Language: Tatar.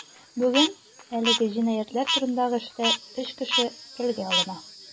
Бүген әлеге җинаятьләр турындагы эштә өч кеше телгә алына.